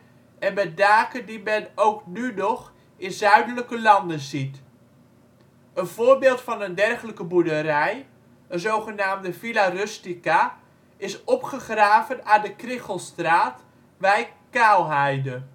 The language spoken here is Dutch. en met daken die men ook nu nog in zuidelijke landen ziet. Een voorbeeld van een dergelijke boerderij, een zogenaamde Villa Rustica, is opgegraven aan de Krichelstraat (wijk Kaalheide